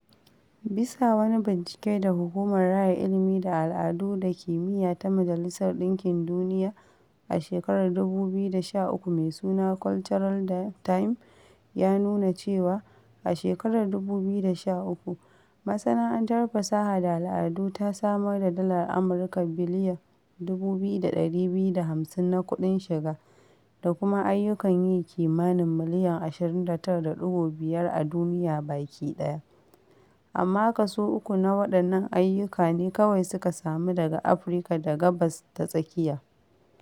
Bisa wani bincike da Hukumar Raya Ilimi da Al'adu da Kimiyya Ta Majalisar ɗinkin Duniya a shekar 2013 mai suna ''Cultural time'' ya nuna cewa, a shekarar 2013, masana'antar fasaha da al'adu ta samar da Dalar Amurka biliyon 2,250 na ƙuɗin shiga da kuma ayyukan yi kimanin miliyon 29.5 a duniya bakiɗaya, amma kaso 3 na waɗannan ayyuka ne kawai suka samu daga Afirka da Gabas Ta Tsakiya.